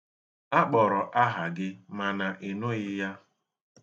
A kpọrọ aha gị mana ị nụghị ya.